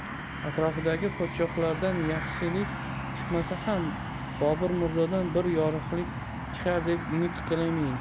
atrofdagi podshohlardan yaxshilik chiqmasa ham bobur mirzodan bir yorug'lik chiqar deb umid qilamen